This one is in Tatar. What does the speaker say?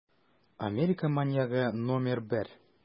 Америка маньягы № 1